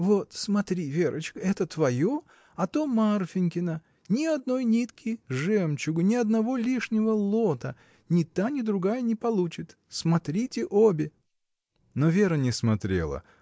— Вот, смотри, Верочка, это твое, а то Марфинькино — ни одной нитки жемчуга, ни одного лишнего лота ни та, ни другая не получит. Смотрите обе! Но Вера не смотрела.